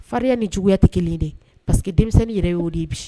Farinya ni juguya tɛ kelen ye dɛ, parce que denmisɛnnin yɛrɛ y'o de ye bi